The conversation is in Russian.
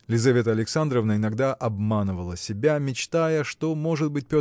Лизавета Александровна иногда обманывала себя мечтая что может быть